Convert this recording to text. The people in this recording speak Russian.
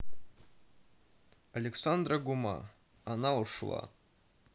александра гума она ушла